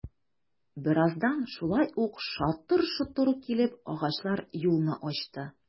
Бераздан шулай ук шатыр-шотыр килеп, агачлар юлны ачты...